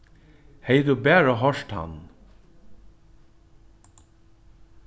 hevði tú bara hoyrt hann